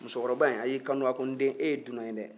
musokɔrɔba in a y'i kan to ko n den e ye dunan ye dɛ